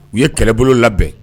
U ye kɛlɛbolo labɛn